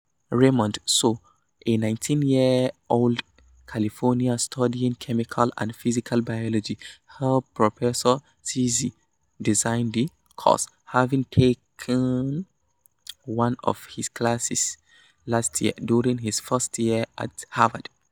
Raymond So, a 19-year-old Californian studying chemical and physical biology, helped Professor Czeisler design the course, having taken one of his classes last year during his first year at Harvard.